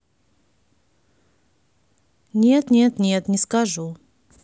нет нет нет не скажу